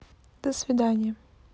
досвидания